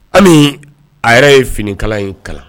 Hali a yɛrɛ ye finikala in kalan!